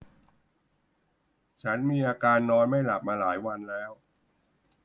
ฉันมีอาการนอนไม่หลับมาหลายวันแล้ว